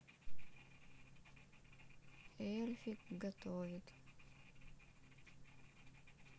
эльфик готовит